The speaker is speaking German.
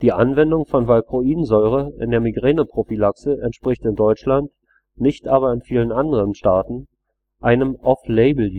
Anwendung von Valproinsäure in der Migräneprophylaxe entspricht in Deutschland, nicht aber in vielen anderen Staaten, einem Off-Label-Use